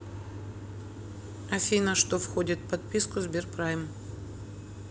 афина что входит в подписку сберпрайм